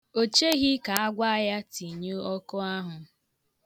O cheghị ka agwa ya tinyụọ ọkụ ahụ.